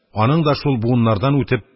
Аның да шул буыннардан үтеп,